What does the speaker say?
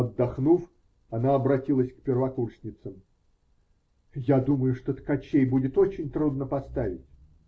Отдохнув, она обратилась к первокурсницам: -- Я думаю, что "Ткачей" будет очень трудно поставить.